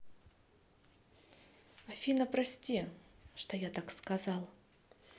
афина прости что я так сказал